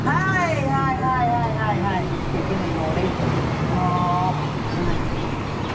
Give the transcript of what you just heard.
hai hai hai hai hai hai chiều kim đồng hồ đi một à